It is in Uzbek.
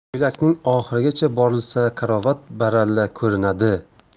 yo'lakning oxirigacha borilsa karavot baralla ko'rinadi